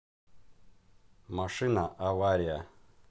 машина авария